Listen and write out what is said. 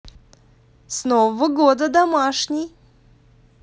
с нового года домашний